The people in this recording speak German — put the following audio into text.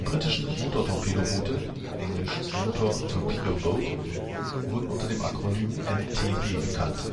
britischen Motortorpedoboote (engl.: Motor Torpedo Boat) wurden unter dem Akronym MTB bekannt.